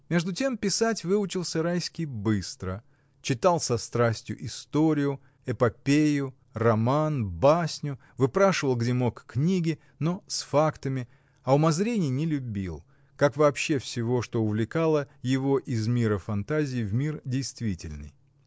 Между тем писать выучился Райский быстро, читал со страстью историю, эпопею, роман, басню, выпрашивал, где мог, книги, но с фактами, а умозрений не любил, как вообще всего, что увлекало его из мира фантазии в мир действительный.